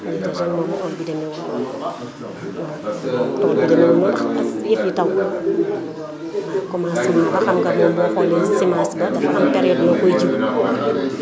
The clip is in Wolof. moom tool bi demeewul noonu tool bi demeewul noonu xam as yëf yi tawul waaw commencement ba xam nga boo xoolee semence ba dafa am période yoo koy ji